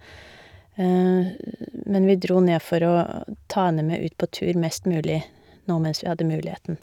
Men vi dro ned for å ta henne med ut på tur mest mulig nå mens vi hadde muligheten.